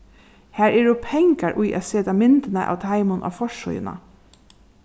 har eru pengar í at seta myndina av teimum á forsíðuna